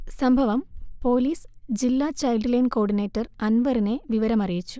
സംഭവം പോലീസ് ജില്ലാ child line coordinator അൻവറിനെ വിവരമറിയിച്ചു